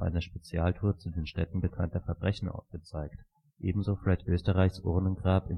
Spezialtour zu den Stätten bekannter Verbrechen gezeigt, ebenso Fred Oesterreichs Urnengrab